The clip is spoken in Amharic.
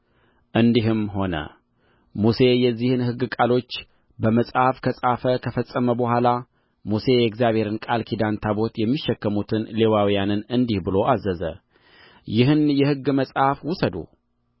እንዲህም ሆነ ሙሴ የዚህን ሕግ ቃሎች በመጽሐፍ ከጻፈ ከፈጸመም በኋላ ሙሴ የእግዚአብሔርን ቃል ኪዳን ታቦት የሚሸከሙትን ሌዋውያንን እንዲህ ብሎ አዘዘ ይህን የሕግ መጽሐፍ ውሰዱ